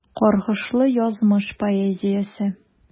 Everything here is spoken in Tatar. Каргышлы язмыш поэзиясе.